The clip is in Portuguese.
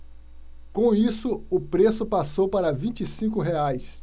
com isso o preço passou para vinte e cinco reais